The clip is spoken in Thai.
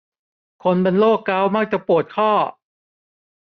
คนเป็นโรคเก๋ามักจะปวดข้อ